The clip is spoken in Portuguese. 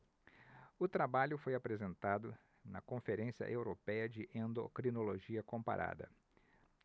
o trabalho foi apresentado na conferência européia de endocrinologia comparada